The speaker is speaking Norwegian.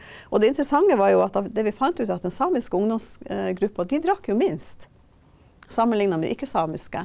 og det interessante var jo at av det vi fant ut at den samiske ungdomsgruppa, de drakk jo minst sammenligna med ikke-samiske.